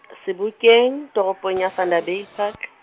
Sebokeng, toropong ya Vanderbijlpark.